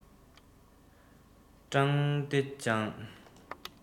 ཀྲང ཏེ ཅང